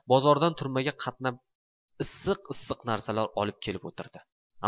bozordan turmaga qatnab issiq issiq narsalar olib kelib o'tirdi